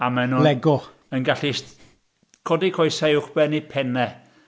A maen nhw'n... Lego... yn gallu st- codi coesau uwch ben eu pennau.